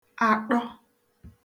àṭọ